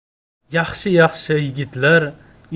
yaxshi yaxshi yigitlar